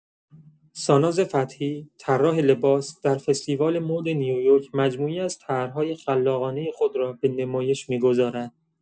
ساناز فتحی، طراح لباس، در فستیوال مد نیویورک مجموعه‌ای از طرح‌های خلاقانه خود را به نمایش می‌گذارد.